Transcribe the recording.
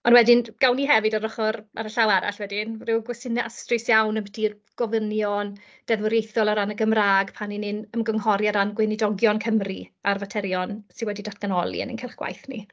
Ond wedyn, gawn ni hefyd yr ochr... ar y llaw arall wedyn, ryw gwestiynnau astrus iawn ambiti'r gofynion deddfwriaethol ar ran y Gymraeg, pan ni'n ymgynghori ar ran gweinidogion Cymru ar faterion sy wedi datganoli yn ein cylch gwaith ni.